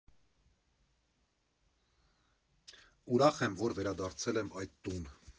Ուրախ եմ, որ վերադարձել եմ այդ տուն։